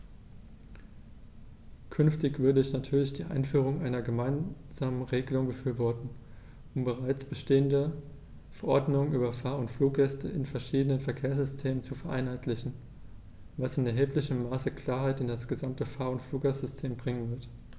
Künftig würde ich natürlich die Einführung einer gemeinsamen Regelung befürworten, um bereits bestehende Verordnungen über Fahr- oder Fluggäste in verschiedenen Verkehrssystemen zu vereinheitlichen, was in erheblichem Maße Klarheit in das gesamte Fahr- oder Fluggastsystem bringen wird.